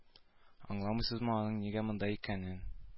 Аңламыйсызмы аның нигә монда икәнен